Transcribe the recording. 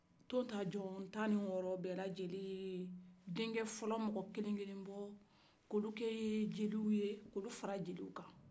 ton ta jɔn tan ni wɔrɔ bɛ la jɛlen ye denkɛ fɔlɔ mɔgɔ kelen kelen di ko lu kɛ jeliw ye ko lu fara jeliw kan